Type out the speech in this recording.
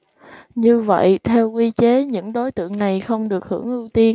như vậy theo quy chế những đối tượng này không được hưởng ưu tiên